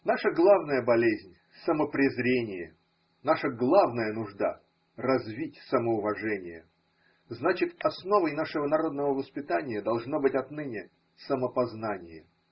Наша главная болезнь – самопрезрение, нашаглавная нужда – развить самоуважение: значит, основой нашего народного воспитания должно быть отныне самопознание.